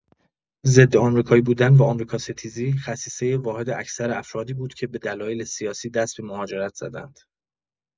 ضدآمریکایی بودن و آمریکاستیزی خصیصۀ واحد اکثر افرادی بود که به دلایل سیاسی دست به مهاجرت زدند.